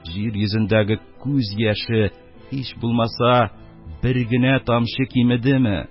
Җир йөзендәге күз яше һич булмаса бер генә тамчы кимедеме?